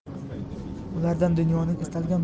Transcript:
ulardan dunyoning istalgan